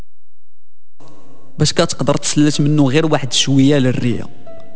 بس قدرت للسمنه غير واحد شويه للرياض